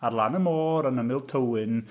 Ar lan y môr, yn yml Tywyn.